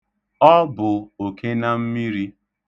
Ọ bụ okenammiri.